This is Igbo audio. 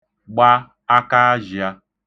gba akaazhị̄ā